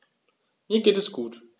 Mir geht es gut.